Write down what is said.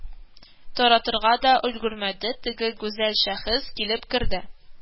Таратырга да өлгермәде, теге «гүзәл шәхес» килеп керде